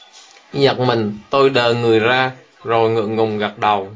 giật mình tôi đờ người ra rồi ngượng ngùng gật đầu